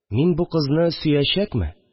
Мин бу кызны сөячәкме